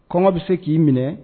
Kɔngɔ bɛ se k'i minɛ